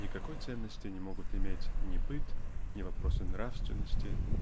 никакой ценности не могут иметь ни быт ни вопросы нравственности